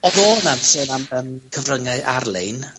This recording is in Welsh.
Odd o'n am yym cyfryngau ar lein.